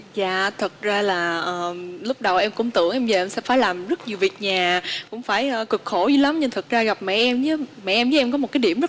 dạ thực ra là ờ lúc đầu em cũng tưởng em về em sẽ phải làm rất nhiều việc nhà cũng phải cực khổ dữ lắm nhưng thực ra gặp mẹ em với mẹ em với em có một cái điểm